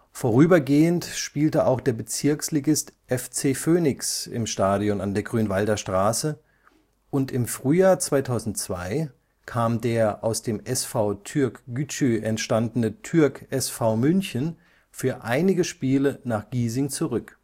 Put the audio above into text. Vorübergehend spielte auch der Bezirksligist FC Phönix im Stadion an der Grünwalder Straße und im Frühjahr 2002 kam der aus dem SV Türk Gücü entstandene Türk SV München für einige Spiele nach Giesing zurück